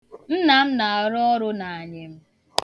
Nna m na-arụ ọrụ n'anyịm.